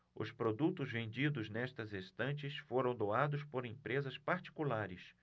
os produtos vendidos nestas estantes foram doados por empresas particulares